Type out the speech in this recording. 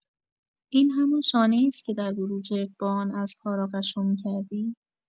این همان شانه‌ای است که در بروجرد با آن اسب‌ها را قشو می‌کردی؟